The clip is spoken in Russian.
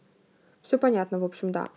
все понятно в общем да